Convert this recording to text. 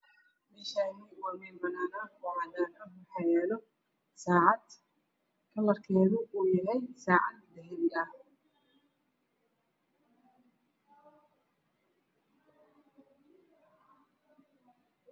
Meeshaan waa meel banaan ah oo cadaan ah waxaa yaalo saacad kalarkeedu uu yahay dahabi.